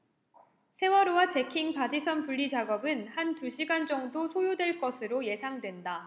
세월호와 잭킹 바지선 분리 작업은 한 두 시간 정도 소요될 것으로 예상된다